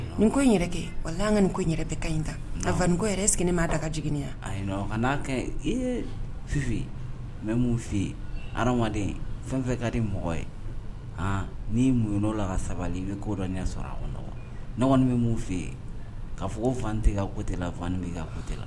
Nin ko n yɛrɛ kɛ wala an ka nin ko yɛrɛ bɛ ka ɲi ta ka fa ko yɛrɛs maa da ka jigin yan a'a fifu n bɛ mun fɛ yen adamaden fɛn fɛ ka di mɔgɔ ye h ni mun ye' la sabali i bɛ kodɔn ɲɛ sɔrɔ a nɔgɔ bɛ mun fɛ yen ka fɔ tɛ ka ko te la fan bɛ ka ko te la